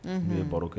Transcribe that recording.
Unhun u ye baro kɛ